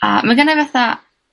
A mae gennai fatha